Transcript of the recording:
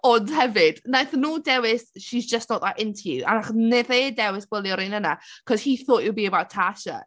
Ond hefyd wnaethon nhw dewis "She's just not that into you" a- ach- n- wnaeth e dewis gwylio'r un yna 'cause he thought it would be about Tasha.